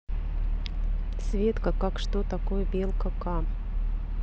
светка как что такое белка ка